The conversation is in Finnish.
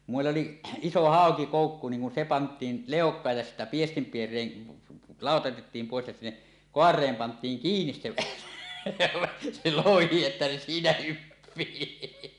kun meillä oli iso haukikoukku niin kun se pantiin leukaan ja sitten piestinpiereen lauta otettiin pois ja sinne kaareen pantiin kiinni se elävä se lohi että se siinä hyppii